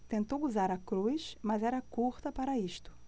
tentou usar a cruz mas era curta para isto